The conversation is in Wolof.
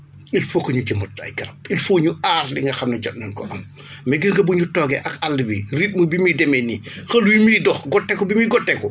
il faut que ñu jëmbat ay garab il faut ñu aar li nga xam ne jot nañ koo am mais gis nga bu ñu toogee ak àll bi rythme bi muy demee nii xël wi muy dox gotteeku bi muy gotteeku